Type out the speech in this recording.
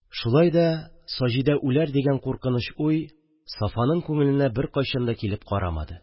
Шулай да Саҗидә үләр дигән куркынычлы уй Сафаның күңеленә беркайчан да килеп карамады.